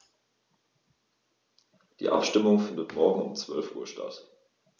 Die Abstimmung findet morgen um 12.00 Uhr statt.